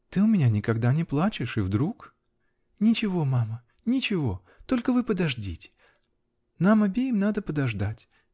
-- Ты у меня никогда не плачешь -- и вдруг. -- Ничего, мама, ничего! только вы подождите. Нам обеим надо подождать .